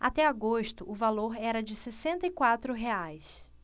até agosto o valor era de sessenta e quatro reais